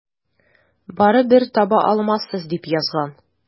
Барыбер таба алмассыз, дип язган.